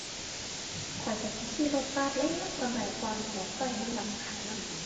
ข้อยก็สิขี่รถบัสแหล้ว สมัยก่อนรถไฟมันลำบากลำบน